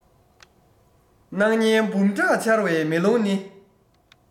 སྣང བརྙན འབུམ ཕྲག འཆར བའི མེ ལོང ནི